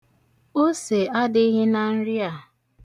Ose adịghị na nri a.